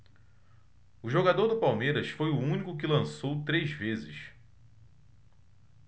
o jogador do palmeiras foi o único que lançou três vezes